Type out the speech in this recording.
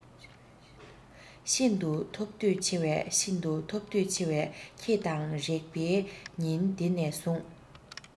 ཤིན ཏུ ཐོབ འདོད ཆེ བས ཤིན ཏུ ཐོབ འདོད ཆེ བས ཁྱེད དང རེག པའི ཉིན དེ ནས བཟུང